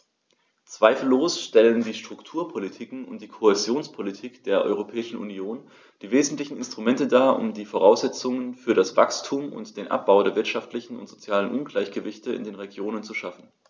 Zweifellos stellen die Strukturpolitiken und die Kohäsionspolitik der Europäischen Union die wesentlichen Instrumente dar, um die Voraussetzungen für das Wachstum und den Abbau der wirtschaftlichen und sozialen Ungleichgewichte in den Regionen zu schaffen.